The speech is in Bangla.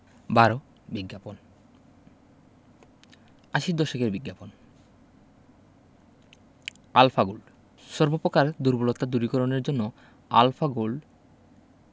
১২ বিজ্ঞাপন আশির দশকের বিজ্ঞাপন আলফা গোল্ড সর্ব প্রকার দুর্বলতা দূরীকরণের জন্য আল্ ফা গোল্ড